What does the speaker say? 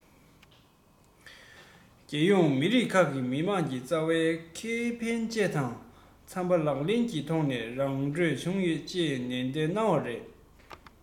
རྒྱལ ཡོངས མི རིགས ཁག གི མི དམངས ཀྱི རྩ བའི ཁེ ཕན བཅས དང འཚམས པ ལག ལེན གྱི ཐོག ནས ར འཕྲོད བྱུང ཡོད ཅེས ནན བཤད གནང བ རེད